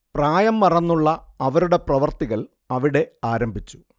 പ്രായം മറന്നുള്ള അവരുടെ പ്രവർത്തികൾ അവിടെ ആരംഭിച്ചു